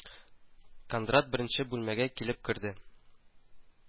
Кондрат беренче бүлмәгә килеп керде